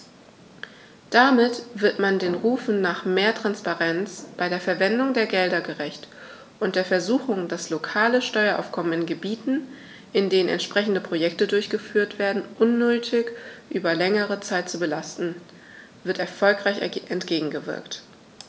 Damit wird man den Rufen nach mehr Transparenz bei der Verwendung der Gelder gerecht, und der Versuchung, das lokale Steueraufkommen in Gebieten, in denen entsprechende Projekte durchgeführt werden, unnötig über längere Zeit zu belasten, wird erfolgreich entgegengewirkt.